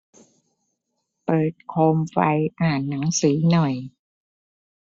เปิดโคมไฟอ่านหนังสือหน่อย